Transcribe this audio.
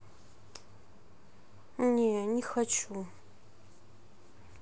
не не хочу